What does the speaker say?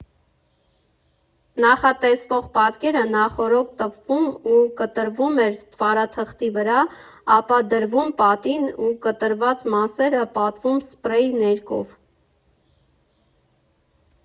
Նախատեսվող պատկերը նախօրոք տպվում ու կտրվում էր ստվարաթղթի վրա, ապա դրվում պատին ու կտրված մասերը պատվում սփրեյ ներկով։